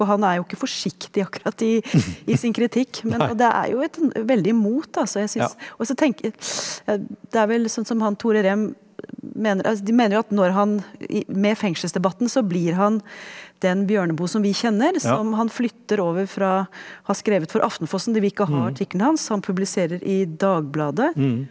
og han er jo ikke forsiktig akkurat i i sin kritikk men og det er jo et sånn veldig mot da så jeg syns også det er vel sånn som han Tore Rem mener altså de mener jo at når han i med fengselsdebatten så blir han den Bjørneboe som vi kjenner som han flytter over fra å ha skrevet for Aftenposten, de vil ikke ha artiklene hans så han publiserer i Dagbladet.